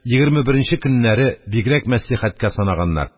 Егерме беренче көннәрене бигрәк мәслихәткә санаганнар.